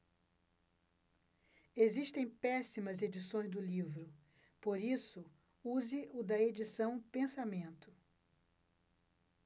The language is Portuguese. existem péssimas edições do livro por isso use o da edição pensamento